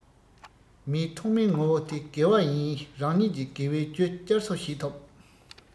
མིའི ཐོག མའི ངོ བོ དེ དགེ བ ཡིན རང ཉིད ཀྱི དགེ བའི རྒྱུ བསྐྱར གསོ བྱེད ཐུབ